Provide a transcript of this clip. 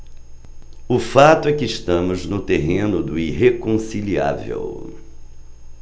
o fato é que estamos no terreno do irreconciliável